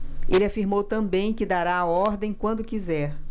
ele afirmou também que dará a ordem quando quiser